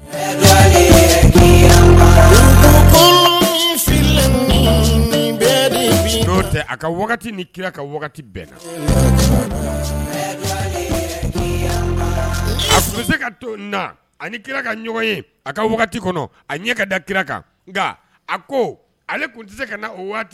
Kira bɛɛ se ka to kira ka ɲɔgɔn a ka kɔnɔ a ɲɛ ka da kira kan nka a ko ale tun tɛ se ka